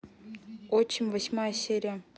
отчим восьмая серия